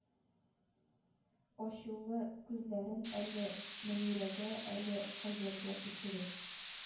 Ачулы күзләрен әле мөнирәгә, әле һаҗәргә күчереп: